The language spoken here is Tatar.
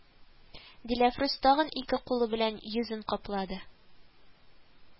Диләфрүз тагын ике кулы белән йөзен каплады